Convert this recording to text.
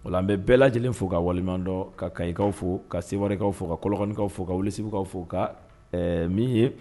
Wa an bɛ bɛɛ lajɛlen fo ka walimadɔ ka kakaw fo ka sewakaw fo ka kɔkaw fo ka wuli segukaw fo ka min ye